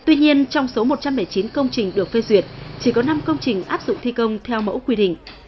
tuy nhiên trong số một trăm lẻ chín công trình được phê duyệt chỉ có năm công trình áp dụng thi công theo mẫu quy định